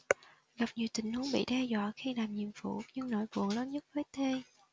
gặp nhiều tình huống bị đe dọa khi làm nhiệm vụ nhưng nỗi buồn lớn nhất với t